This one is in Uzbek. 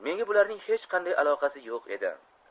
menga bularning hech kanday aloqasi yo'q edi